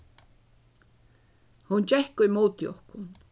hon gekk ímóti okkum